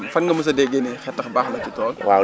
fan nga mos a déggee ne xetax baax na ci tool